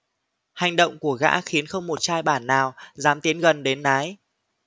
hành động của gã khiến không một trai bản nào dám tiến gần đến nái